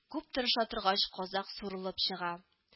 Күп тырыша торгач, казык суырылып чыга